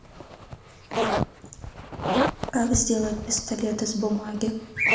как сделать пистолет из бумаги